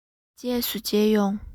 རྗེས སུ མཇལ ཡོང